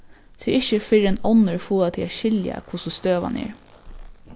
tað er ikki fyrr enn onnur fáa teg at skilja hvussu støðan er